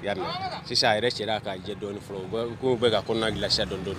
Sisan yɛrɛ cɛ'a jɛ dɔɔninɔni fɔlɔ u k'o bɛ ka ko n'alasi dɔndɔ